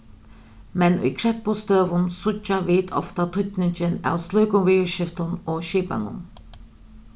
men í kreppustøðum síggja vit ofta týdningin av slíkum viðurskiftum og skipanum